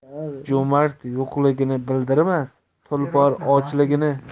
jo'mard yo'qligini bildirmas tulpor ochligini